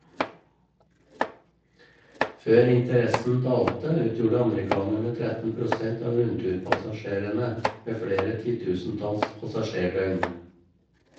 Før interessen dalte, utgjorde amerikanerne 13 prosent av rundturpassasjerene, med flere titusentalls passasjerdøgn.